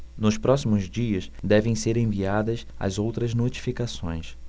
nos próximos dias devem ser enviadas as outras notificações